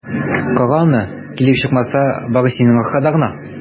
Кара аны, килеп чыкмаса, бары синең аркада гына!